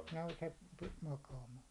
no se pisti makaamaan